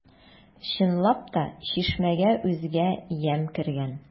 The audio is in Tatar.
Чынлап та, чишмәгә үзгә ямь кергән.